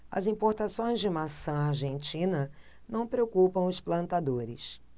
as importações de maçã argentina não preocupam os plantadores